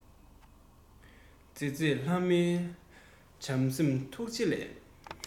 མཛེས མཛེས ལྷ མོའི བྱམས སེམས ཐུགས རྗེ ལས